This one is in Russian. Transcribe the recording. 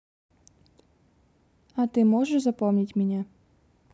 а ты можешь запомнить меня